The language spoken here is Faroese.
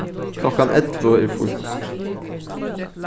klokkan ellivu er fínt